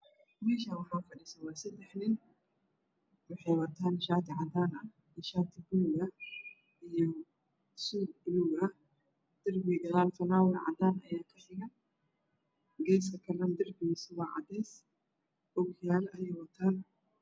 Meeshaan waxaa fadhiso seddex nin waxay wataan shaati cadaan ah iyo shaati buluug ah iyo suud buluug ah. Darbiga gadaal falaawar cadaan ah ayaa saaran geeska kale darbigiisu waa cadeys. Ookiyalaha waa cadaan.